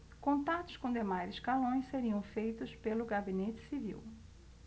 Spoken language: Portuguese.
contatos com demais escalões seriam feitos pelo gabinete civil